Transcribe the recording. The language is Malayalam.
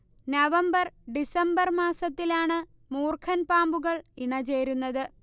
നവംബർ ഡിസംബർ മാസത്തിലാണ് മൂർഖൻ പാമ്പുകൾ ഇണചേരുന്നത്